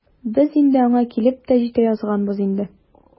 Без инде аңа килеп тә җитә язганбыз икән.